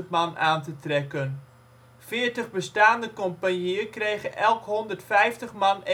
man aan te trekken. Veertig bestaande compagnieën kregen elk 150 man extra